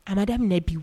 A ma daminɛ biw